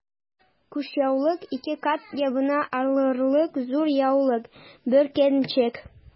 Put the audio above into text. Кушъяулык— ике кат ябына алырлык зур яулык, бөркәнчек...